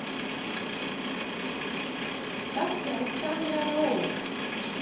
сказки александра роу